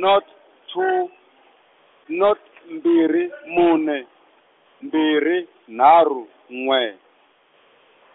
nought two nought mbirhi mune, mbirhi nharhu n'we,